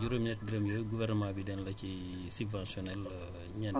tay juróom-ñetti dërëm yooyu gouvernement bi dana ko ci subventionné